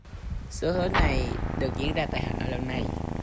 xu hướng này được diễn ra tại hà nội lần này